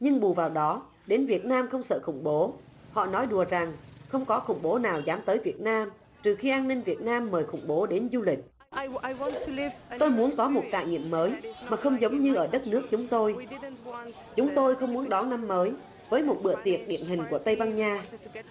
nhưng bù vào đó đến việt nam không sợ khủng bố họ nói đùa rằng không có khủng bố nào dám tới việt nam trước khi an ninh việt nam mời khủng bố đến du lịch tôi muốn có một trải nghiệm mới mà không giống như ở đất nước chúng tôi chúng tôi không muốn đón năm mới với một bữa tiệc điển hình của tây ban nha